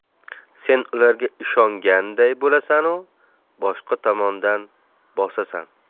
sen ularga ishonganday bo'lasanu boshqa tomondan bosasan